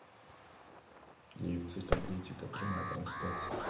лейпциг атлетико прямая трансляция